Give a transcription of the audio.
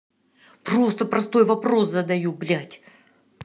просто простой вопрос задаю блять